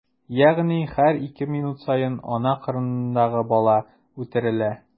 Ягъни һәр ике минут саен ана карынындагы ике бала үтерелә.